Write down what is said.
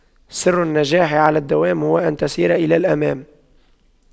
سر النجاح على الدوام هو أن تسير إلى الأمام